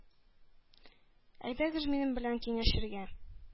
Әйдәгез минем белән киңәшергә,